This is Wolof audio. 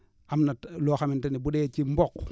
am na loo xamante ni bu dee ci mboq